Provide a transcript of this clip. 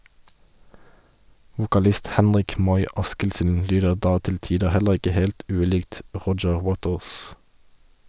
Vokalist Henrik Moy Askildsen lyder da til tider heller ikke helt ulikt Roger Waters.